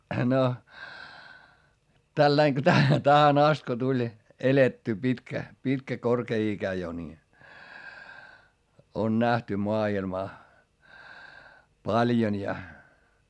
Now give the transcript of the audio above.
no tällä lailla kun - tähän asti kun tuli elettyä pitkä pitkä korkea ikä jo niin on nähty maailmaa paljon ja